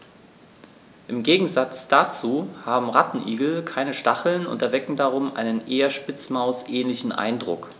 Im Gegensatz dazu haben Rattenigel keine Stacheln und erwecken darum einen eher Spitzmaus-ähnlichen Eindruck.